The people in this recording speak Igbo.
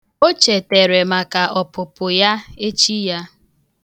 O chetere maka ọpụpụ ya echi ya .